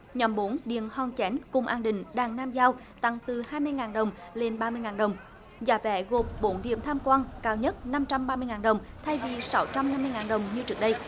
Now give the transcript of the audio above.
nhóm bống điệng hòng chénh cung an định đàn nam giao tăng từ hai mươi ngàng đồng lên ba mươi ngàng đồng giá vé gồm bống điểm tham quang cao nhấc năm trăm ba mươi ngàng đồng thay vì sáu trăm năm mươi ngàng đồng như trước đây